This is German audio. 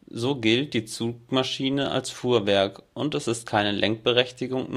so gilt die Zugmaschine als Fuhrwerk und es ist keine Lenkberechtigung